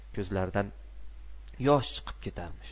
ko'zlaridan yosh chiqib ketarmish